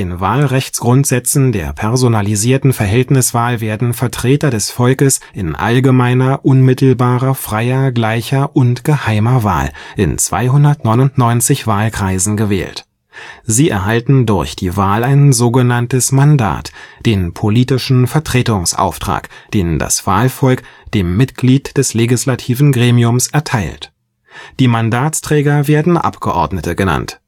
Wahlrechtsgrundsätzen der personalisierten Verhältniswahl werden Vertreter des Volkes in allgemeiner, unmittelbarer, freier, gleicher und geheimer Wahl in 299 Wahlkreisen gewählt. Sie erhalten durch die Wahl ein sogenanntes Mandat, den politischen Vertretungsauftrag, den das Wahlvolk dem Mitglied des legislativen Gremiums erteilt. Die Mandatsträger werden Abgeordnete genannt